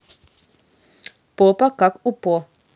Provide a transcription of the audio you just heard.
попа как у по